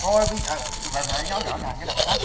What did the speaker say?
cô ơi bây giờ phải phải nói rõ ràng cái động tác